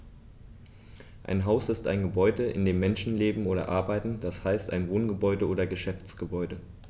Ein Haus ist ein Gebäude, in dem Menschen leben oder arbeiten, d. h. ein Wohngebäude oder Geschäftsgebäude.